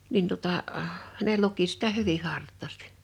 minä tuota ne luki sitä hyvin hartaasti